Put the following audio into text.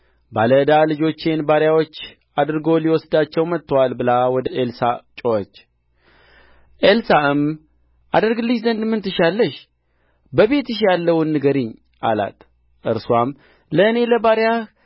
መጽሐፈ ነገሥት ካልዕ ምዕራፍ አራት ከነቢያትም ወገን ሚስቶች አንዲት ሴት ባሌ ባሪያህ ሞቶአል ባሪያህም እግዚአብሔርን ይፈራ እንደ ነበረ አንተ ታውቃለህ